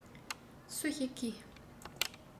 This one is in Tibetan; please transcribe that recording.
སུ ཞིག གིས